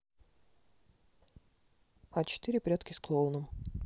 а четыре прятки с клоуном